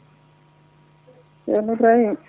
ceerno Ibrahima